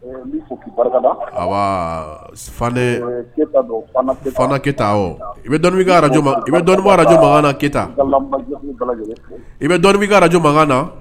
Ke i dɔnni ara makan ke i bɛ dɔnni araj makan na